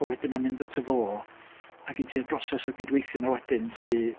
Wedyn mae'n mynd ato fo, a gen ti'r broses o gydweithio 'na wedyn sy...